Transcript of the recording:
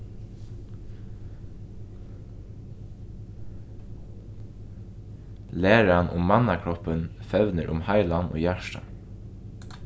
læran um mannakroppin fevnir um heilan og hjartað